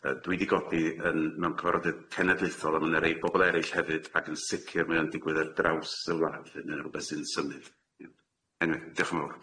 yy dwi 'di godi yn mewn cyfarfodydd cenedlaethol a ma' 'na rei pobol erill hefyd ac yn sicir mae o'n digwydd ar draws y wlad lly, mae o'n rwbeth sy'n symud.